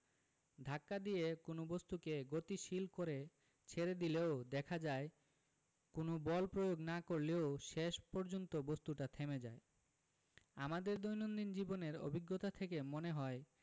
ধাক্কা দিয়ে কোনো বস্তুকে গতিশীল করে ছেড়ে দিলেও দেখা যায় কোনো বল প্রয়োগ না করলেও শেষ পর্যন্ত বস্তুটা থেমে যায় আমাদের দৈনন্দিন জীবনের অভিজ্ঞতা থেকে মনে হয়